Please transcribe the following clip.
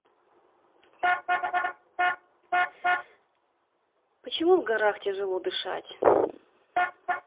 почему в горах тяжело дышать